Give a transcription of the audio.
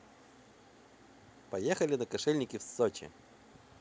поехали на кошельники в сочи